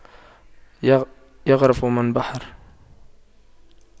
يَغْرِفُ من بحر